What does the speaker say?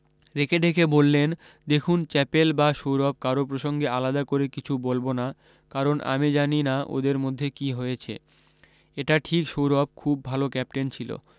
রেখেঢেকে বললেন দেখুন চ্যাপেল বা সৌরভ কারও প্রসঙ্গে আলাদা করে কিছু বলব না কারণ আমি জানি না ওদের মধ্যে কী হয়েছে এটা ঠিক সৌরভ খুব ভাল ক্যাপটেন ছিল